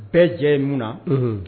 Bɛɛ jɛ mun na